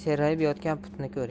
serrayib yotgan putni ko'ring